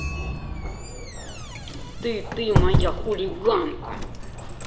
ты ты ты моя хулиганка